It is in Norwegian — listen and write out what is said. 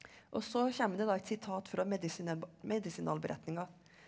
og så kommer det da et sitat fra medisinalberetninga.